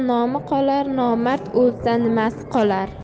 nomard o'lsa nimasi qolar